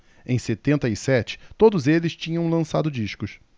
em setenta e sete todos eles tinham lançado discos